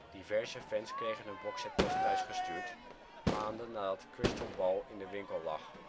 Diverse fans kregen hun boxset pas thuisgestuurd maanden nadat Crystal Ball in de winkel lag